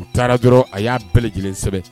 U taara dɔrɔn a y'a bɛɛ lajɛlen sɛbɛ.